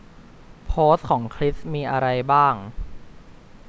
โพสต์ของคริสมีอะไรบ้าง